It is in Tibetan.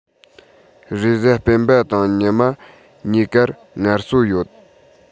རེས གཟའ སྤེན པ དང ཉི མ གཉིས ཀར ངལ གསོ ཡོད